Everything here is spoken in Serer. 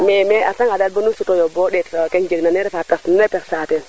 mais mains a reta nga dak bonu suti yo bo ndeet ken njeg na ne refa pertement nun e perdre a ten